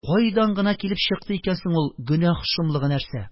Кайдан гына килеп чыкты икән соң, ул гөнаһ шомлыгы нәрсә!